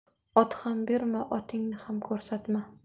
ot ham berma otingni ham ko'rsatma